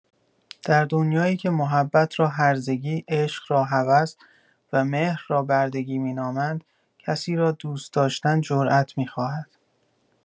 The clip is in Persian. در دنیایی که محبت را هرزگی، عشق را هوس و مهر را بردگی می‌نامند، کسی را دوست‌داشتن جرات می‌خواهد!